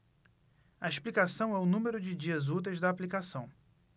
a explicação é o número de dias úteis da aplicação